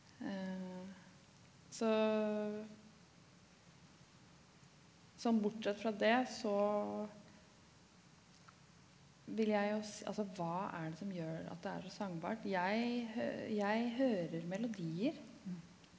så sånn bortsett fra det så vil jeg jo altså hva er det som gjør at det er so sangbart jeg jeg hører melodier.